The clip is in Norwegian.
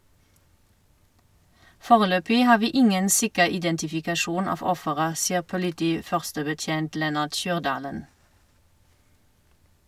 Foreløpig har vi ingen sikker identifikasjon av offeret, sier politiførstebetjent Lennart Kyrdalen.